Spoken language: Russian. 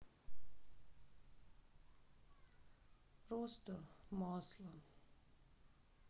просто масло